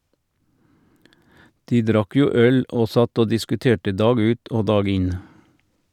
De drakk jo øl, og satt og diskuterte dag ut og dag inn.